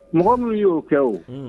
Mɔgɔ minnu y' y'o kɛ o